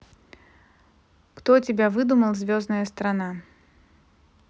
кто тебя выдумал звездная страна